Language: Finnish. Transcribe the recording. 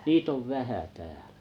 niitä on vähän täällä